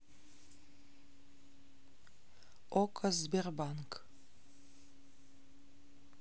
okko сбербанк